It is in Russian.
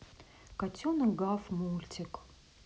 котенок гав мультик